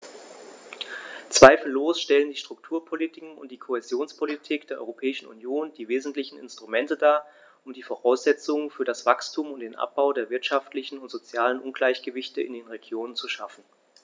Zweifellos stellen die Strukturpolitiken und die Kohäsionspolitik der Europäischen Union die wesentlichen Instrumente dar, um die Voraussetzungen für das Wachstum und den Abbau der wirtschaftlichen und sozialen Ungleichgewichte in den Regionen zu schaffen.